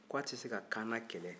ko a tɛ se ka kaana kɛlɛ